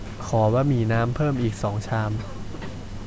ขอบะหมี่น้ำเพิ่มอีกสองชาม